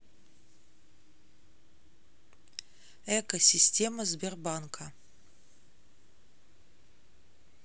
экосистема сбербанка